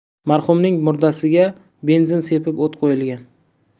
marhumning murdasiga benzin sepib o't qo'yilgan